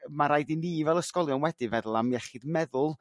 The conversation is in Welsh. Ma' raid i ni fel ysgolion wedyn feddwl am iechyd meddwl.